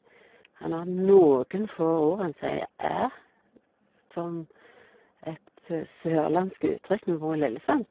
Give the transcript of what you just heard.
Han har noen få ord, han sier e som et sørlandsk uttrykk, vi bor i Lillesand.